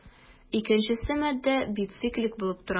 Икенчесе матдә бициклик булып тора.